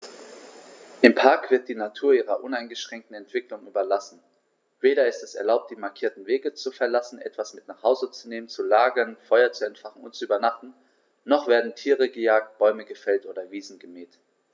Im Park wird die Natur ihrer uneingeschränkten Entwicklung überlassen; weder ist es erlaubt, die markierten Wege zu verlassen, etwas mit nach Hause zu nehmen, zu lagern, Feuer zu entfachen und zu übernachten, noch werden Tiere gejagt, Bäume gefällt oder Wiesen gemäht.